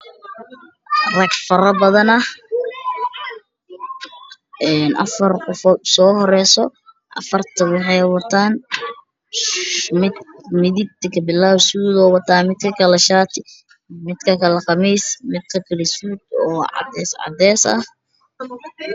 Waa sadaro badan midka usoo horeyo wuxuu wataa suud buluug ah iyo kabo madow ah